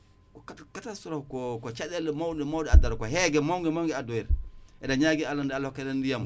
cata catastrophe